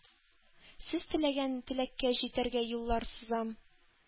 Сез теләгән теләккә җитәргә юллар сызам,